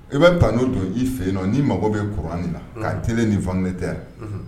I bɛ ta n'o don i fɛ yen nɔ ni mago bɛ kuran na k' t ni fan tɛ